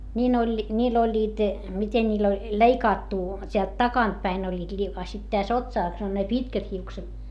niin oli niillä olivat miten niillä oli leikattu täältä takaa päin olivat - a sitten tässä otsassa on ne pitkät hiukset